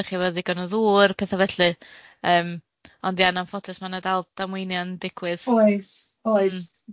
dach chi efo digon o ddŵr, pethe felly yym ond ia'n anffodus ma' na dal damweinia'n digwydd... Oes, oes....